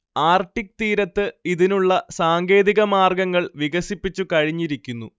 Arctic തീരത്ത് ഇതിനുള്ള സാങ്കേതിക മാർഗങ്ങൾ വികസിപ്പിച്ചു കഴിഞ്ഞിരിക്കുന്നു